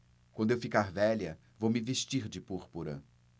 quando eu ficar velha vou me vestir de púrpura